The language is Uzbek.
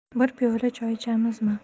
bir piyola choy ichamizmi